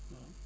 waaw